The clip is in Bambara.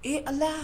Ee ala